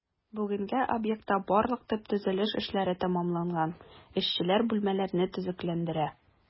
Бүгенгә объектта барлык төп төзелеш эшләре тәмамланган, эшчеләр бүлмәләрне төзекләндерә.